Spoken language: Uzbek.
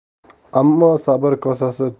ammo sabr kosasi